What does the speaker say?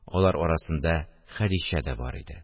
Алар арасында Хәдичә дә бар иде